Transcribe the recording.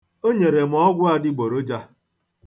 O nyere m ọgwụ adịgboroja.